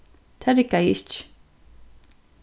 tað riggaði ikki